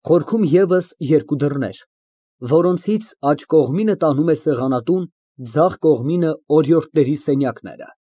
Խորքում ևս երկու դռներ, որոնցից աջ կողմինը տանում է սեղանատուն, ձախ կողմինը ֊ օրիորդների սենյակները։